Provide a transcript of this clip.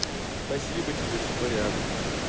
спасибо тебе что рядом